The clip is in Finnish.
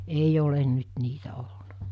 ei ole nyt niitä ollut